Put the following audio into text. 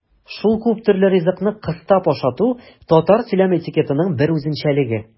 Шул күптөрле ризыкны кыстап ашату татар сөйләм этикетының бер үзенчәлеге.